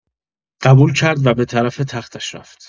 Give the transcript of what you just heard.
قبول کرد و به‌طرف تختش رفت.